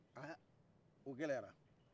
ahh o gɛlɛyara